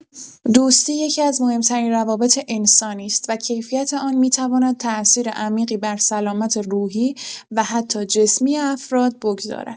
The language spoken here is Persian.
دوستی یکی‌از مهم‌ترین روابط انسانی است و کیفیت آن می‌تواند تأثیر عمیقی بر سلامت روحی و حتی جسمی افراد بگذارد.